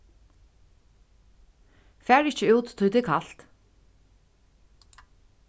far ikki út tí tað er kalt